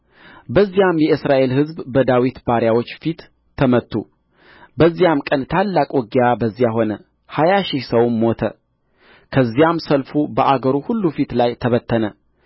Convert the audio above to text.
በዚያም የእስራኤል ሕዝብ በዳዊት ባሪያዎች ፊት ተመቱ በዚያም ቀን ታላቅ ውጊያ በዚያ ሆነ ሃያ ሺህ ሰውም ሞተ ከዚያም ሰልፉ በአገሩ ሁሉ ፊት ላይ ተበተነ